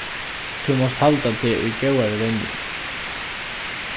tú mást halda teg í góðari venjing